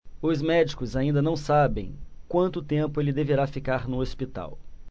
os médicos ainda não sabem quanto tempo ele deverá ficar no hospital